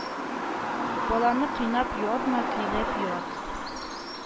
Баланы кыйнап юатма, көйләп юат